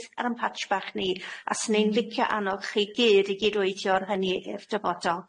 ar 'yn patsh bach ni, a swn i'n licio annog chi gyd i gydweithio ar hynny i'r dyfodol.